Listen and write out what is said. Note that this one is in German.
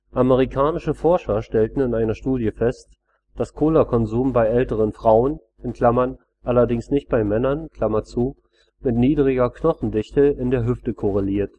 Amerikanische Forscher stellten in einer Studie fest, dass Cola-Konsum bei älteren Frauen (allerdings nicht bei Männern) mit niedriger Knochendichte in der Hüfte korreliert